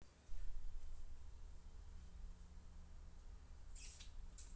есть еще какие нибудь